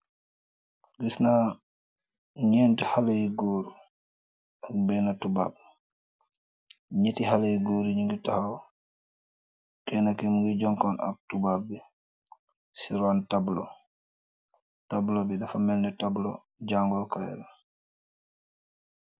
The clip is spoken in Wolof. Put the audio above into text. Gisna njenti haleh yu gorre ak bena tubab, njehti haleh yu gorre yii njungy takhaw, kenah kii mungui johnkon ak tubab bi ci ron tableau, tableau bi dafa melni tableau jaangor kaii la.